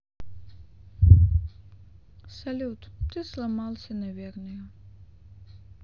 салют ты сломался наверное